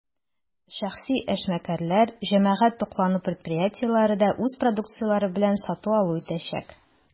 Шәхси эшмәкәрләр, җәмәгать туклануы предприятиеләре дә үз продукцияләре белән сату-алу итәчәк.